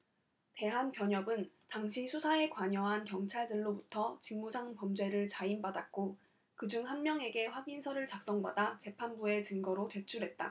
대한변협은 당시 수사에 관여한 경찰들로부터 직무상범죄를 자인받았고 그 중 한 명에게 확인서를 작성받아 재판부에 증거로 제출했다